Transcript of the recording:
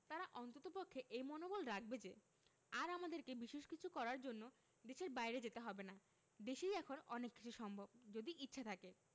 তারা অন্ততপক্ষে এই মনোবল রাখবে যে আর আমাদেরকে বিশেষ কিছু করার জন্য দেশের বাইরে যেতে হবে না দেশেই এখন অনেক কিছু সম্ভব যদি ইচ্ছা থাকে